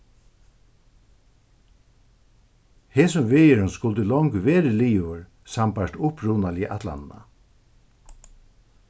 hesin vegurin skuldi longu verið liðugur sambært upprunaligu ætlanini